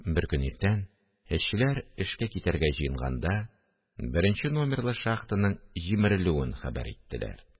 Беркөн иртән, эшчеләр эшкә китәргә җыенганда, беренче номерлы шахтаның җимерелүен хәбәр иттеләр